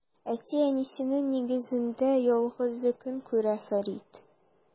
Әти-әнисенең нигезендә ялгызы көн күрә Фәрид.